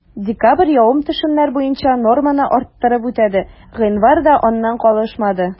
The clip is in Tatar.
Декабрь явым-төшемнәр буенча норманы арттырып үтәде, гыйнвар да аннан калышмады.